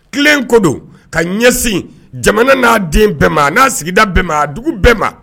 Tile ko don ka ɲɛsin jamana n'a den bɛɛ ma an'a sigida bɛɛ ma a dugu bɛɛ ma